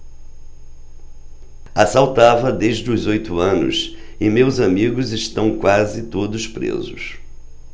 assaltava desde os oito anos e meus amigos estão quase todos presos